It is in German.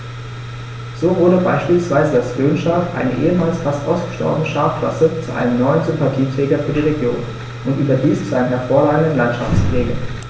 So wurde beispielsweise das Rhönschaf, eine ehemals fast ausgestorbene Schafrasse, zu einem neuen Sympathieträger für die Region – und überdies zu einem hervorragenden Landschaftspfleger.